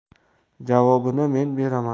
javobini men beraman